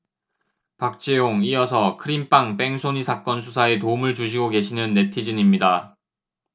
박재홍 이어서 크림빵 뺑소니 사건 수사에 도움을 주시고 계시는 네티즌입니다